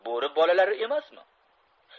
bo'ri bolalari emasmi